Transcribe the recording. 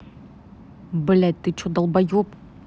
блядь ты че долбоеб